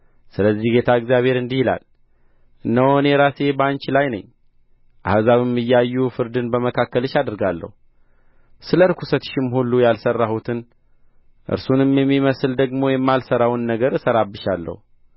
ስለዚህ ጌታ እግዚአብሔር እንዲህ ይላል እነሆ እኔ ራሴ በአንቺ ላይ ነኝ አሕዛብም እያዩ ፍርድን በመካከልሽ አደርጋለሁ ስለ ርኵሰትሽም ሁሉ ያልሠራሁትን እርሱንም የሚመስል ደግሞ የማልሠራውን ነገር እሠራብሻለሁ